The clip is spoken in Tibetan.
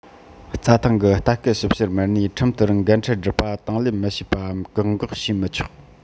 རྩྭ ཐང གི ལྟ སྐུལ ཞིབ བཤེར མི སྣས ཁྲིམས ལྟར འགན འཁྲི སྒྲུབ པ དང ལེན མི བྱེད པའམ བཀག འགོག བྱས མི ཆོག